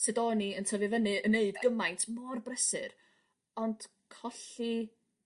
sud o'n i yn tyfu fyny yn neud gymaint mor brysur ond colli